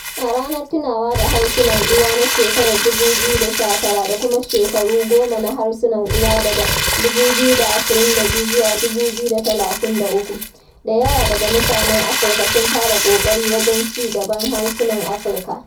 A ranar tunawa da harsunan uwa na shekarar 2019 da kuma shekaru goma na harsunan uwa daga 2022-2032, da yawa daga mutanen Afirka sun fara ƙoƙari wajen ci gaban harsunan Afirka.